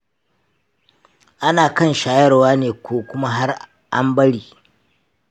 ana kan shayarwa ne ko kuma har an bari?